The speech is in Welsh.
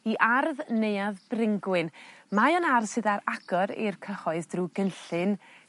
ardd Neuadd Bryngwyn. Mae o'n ar' sydd ar agor i'r cyhoedd drw gynllun